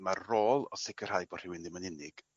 ma' rhôl o sicirhau bo' rhywun ddim yn unig